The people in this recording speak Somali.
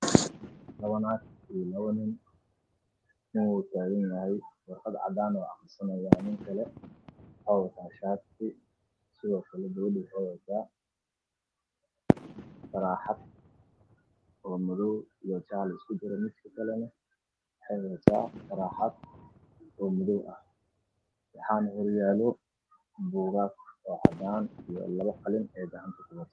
Meeshaan waxaa ka muuqdo labo nin iyo labo naag